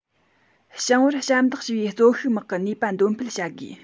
ཞིང པར ཞབས འདེགས ཞུ བའི གཙོ ཤུགས དམག གི ནུས པ འདོན སྤེལ བྱ དགོས